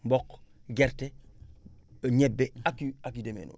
mboq gerte ñebe ak yu ak yu demee noonu